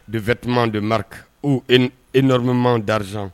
Bi2t deri e nɔrɔma dariz